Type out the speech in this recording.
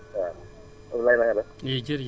waaw Ablaye na nga def